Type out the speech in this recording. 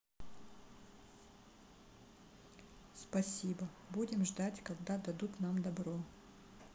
спасибо будем ждать когда дадут нам добро